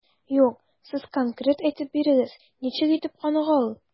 Юк, сез конкрет әйтеп бирегез, ничек итеп каныга ул?